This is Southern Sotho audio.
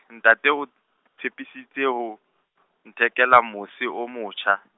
ntate o, tshepisitse ho, nthekela mose o motjha.